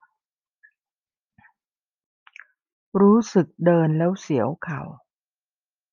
รู้สึกเดินแล้วเสียวเข่า